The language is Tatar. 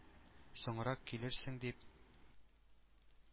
Соңрак килерсең, — дип,